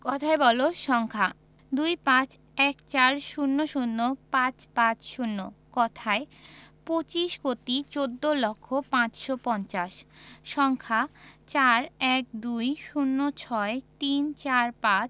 কথায় বলঃ সংখ্যাঃ ২৫ ১৪ ০০ ৫৫০ কথায়ঃ পঁচিশ কোটি চৌদ্দ লক্ষ পাঁচশো পঞ্চাশ সংখ্যাঃ ৪ ১২ ০৬ ৩৪৫